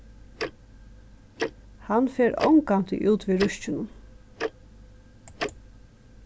hann fer ongantíð út við ruskinum